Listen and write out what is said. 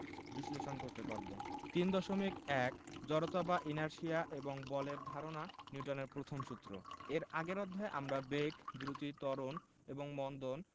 বিশ্লেষণ করতে পারব ৩.১ জড়তা বা ইনারশিয়া এবং বলের ধারণা নিউটনের প্রথম সূত্র এর আগের অধ্যায়ে আমরা বেগ দ্রুতি ত্বরণ এবং মন্দন